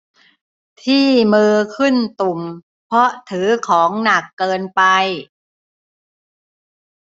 ที่มือขึ้นตุ่มเพราะถือของหนักเกินไป